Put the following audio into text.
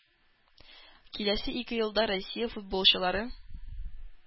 Киләсе ике елда Россия футболчылары